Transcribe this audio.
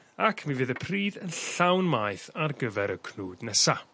ac mi fydd y pridd yn llawn maeth ar gyfer y cnwd nesa.